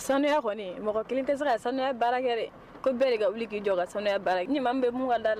Sani mɔgɔ kelen tɛ se sanuya baara ka wuli k jɔ ka bɛugan da